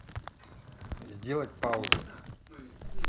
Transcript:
сделать паузу